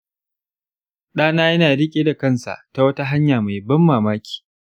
ɗana yana riƙe da kansa ta wata hanya mai ban mamaki.